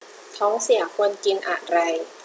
ท้องเสียควรกินอะไร